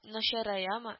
Начараямы